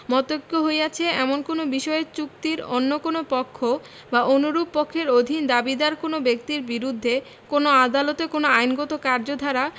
মতৈক্য হইয়াছে এমন কোন বিষয়ে চুক্তির অন্য কোন পক্ষ বা অনুরূপ পক্ষের অধীন দাবিীদার কোন ব্যক্তির বিরুদ্ধে কোন আদালতে কোন আইনগত কার্যধারা